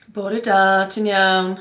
Bore da, ti'n iawn?